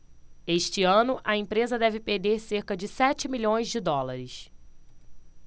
este ano a empresa deve perder cerca de sete milhões de dólares